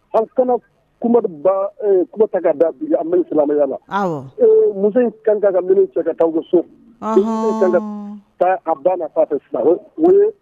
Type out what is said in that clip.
An kana kuma ta da anya la muso in kan kan ka min cɛ ka taago so taa a banna' fɛ fila